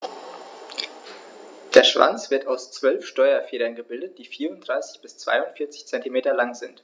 Der Schwanz wird aus 12 Steuerfedern gebildet, die 34 bis 42 cm lang sind.